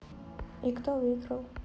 и кто выиграл